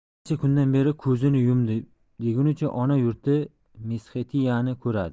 bir necha kundan beri ko'zini yumdi degunicha ona yurti mesxetiyani ko'radi